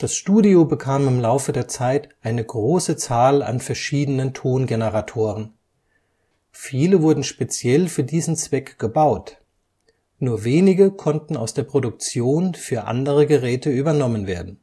Studio bekam im Laufe der Zeit eine große Zahl an verschiedenen Tongeneratoren. Viele wurden speziell für diesen Zweck gebaut, nur wenige konnten aus der Produktion für andere Geräte übernommen werden